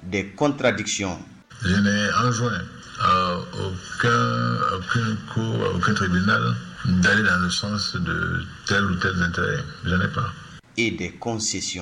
De kɔntadikisi anson ɔ ka ko koto i bɛ na da la sɔn tɛ tɛ nte ne pan e de kɔnsesiɔn